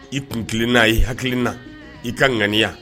I kun na a i hakiliki na i ka ŋaniya